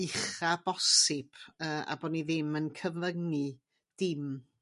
uchaf bosib yrr a bo' ni ddim yn cyfyngu dim